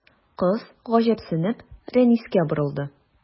Кыз, гаҗәпсенеп, Рәнискә борылды.